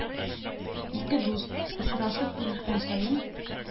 Ике дус, очрашап-күрешкән саен,